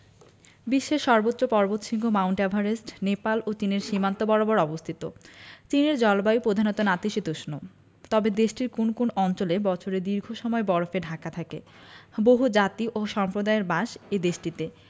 বিশ্বের সর্বোচ্চ পর্বতশিঙ্গ মাউন্ট এভারেস্ট নেপাল ও চীনের সীমান্ত বরাবর অবস্থিত চীনের জলবায়ু প্রধানত নাতিশীতোষ্ণ তবে দেশটির কোনো কোনো অঞ্চল বছরের দীর্ঘ সময় বরফে ঢাকা থাকে বহুজাতি ও সম্প্রদায়ের বাস এ দেশটিতে